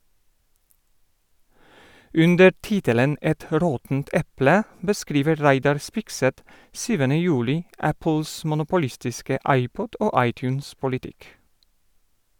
Under tittelen «Et råttent eple» beskriver Reidar Spigseth 7. juli Apples monopolistiske iPod- og iTunes-politikk.